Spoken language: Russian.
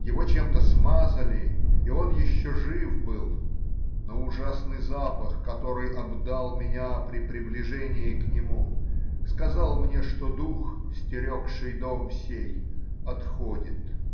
его чем-то смазали, и он еще жив был, но ужасный запах, который обдал меня при приближении к нему, сказал мне, что дух, стерегший дом сей, отходит.